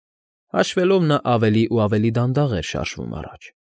Եվ այլն։ Հաշվելով, նա ավելի ու ավելի դանդաղ էր շարժվում առաջ։